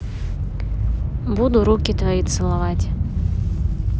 буду руки твои целовать